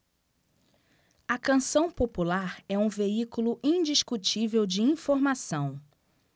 a canção popular é um veículo indiscutível de informação